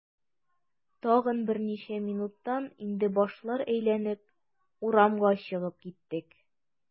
Тагын берничә минуттан инде башлар әйләнеп, урамга чыгып киттек.